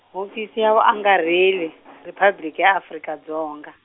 Hofisi ya Vuangarheli, Riphabliki ya Afrika Dzonga.